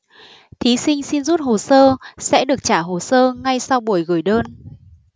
thí sinh xin rút hồ sơ sẽ được trả hồ sơ ngay sau buổi gửi đơn